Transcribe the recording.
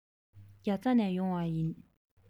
རྒྱ ཚ ནས ཡོང བ ཡིན